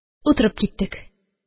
Утырып киттек.